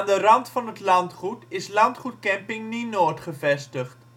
rand van het landgoed is landgoedcamping Nienoord gevestigd